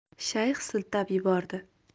shayx siltab yubordi